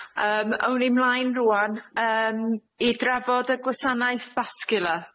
Yym awn ni mlaen rŵan yym i drafod y gwasanaeth vascular.